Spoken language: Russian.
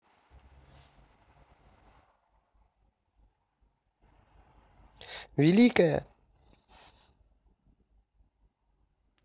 великая